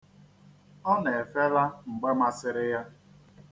Ọ na-efela mgbe masịrị ya.